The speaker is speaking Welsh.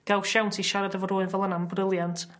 ga'l siawns i siarad efo rwum fel yna'n briliant.